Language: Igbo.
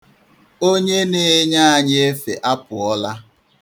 Onye na-enye anyi efe apụọla.